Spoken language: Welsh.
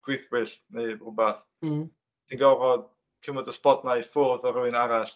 Gwyddbwyll neu rywbeth... mhm... ti'n gorfod cymryd y spot yna i ffwrdd o rywun arall.